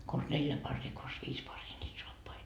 konsa neljä paria konsa viisi paria niitä saappaita